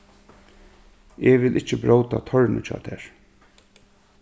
eg vil ikki bróta tornið hjá tær s